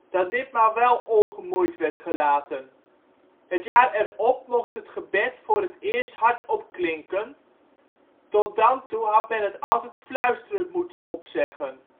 dat ditmaal wel ongemoeid werd gelaten. Het jaar erop mocht het gebed voor het eerst hardop klinken; tot dan toe had men het altijd fluisterend moeten opzeggen